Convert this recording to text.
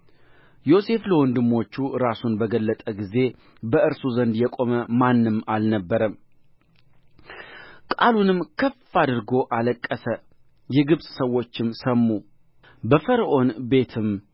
ዮሴፍ ለወንድሞቹ ራሱን በገለጠ ጊዜ በእርሱ ዘንድ የቆመ ማንም አልነበረም ቃሉንም ከፍ አድርጎ አለቀሰ የግብፅ ሰዎችም ሰሙ በፈርዖን ቤትም